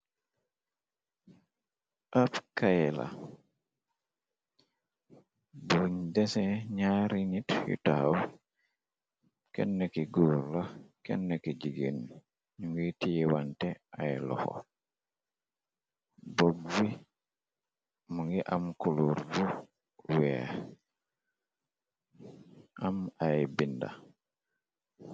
Ab kaye la booñ desen nyaari nit yu taaw kenn ki guur la kennn ki jigéen ñu ngiy tiiwante ay loxo bop bi mu ngi am kuluur bu weex am ay binda.